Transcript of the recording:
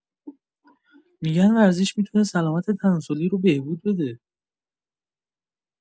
می‌گن ورزش می‌تونه سلامت تناسلی رو بهبود بده!